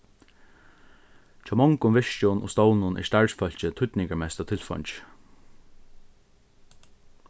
hjá mongum virkjum og stovnum er starvsfólkið týdningarmesta tilfeingið